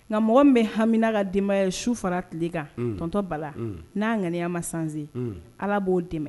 Nka mɔgɔ bɛ hamimina ka denbayaya ye su fara tile kan tɔntɔ bala n'aan ŋaniya ma sane ala b'o dɛmɛ